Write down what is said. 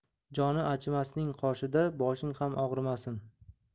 joni achimasning qoshida boshing ham og'rimasin